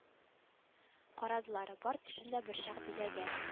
Карадылар бар төшен дә борчак биләгән